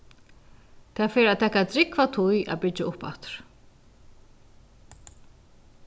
tað fer at taka drúgva tíð at byggja uppaftur